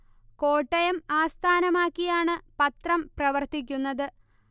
കോട്ടയം ആസ്ഥാനമാക്കിയാണ് പത്രം പ്രവർത്തിക്കുന്നത്